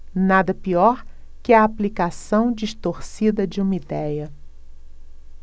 nada pior que a aplicação distorcida de uma idéia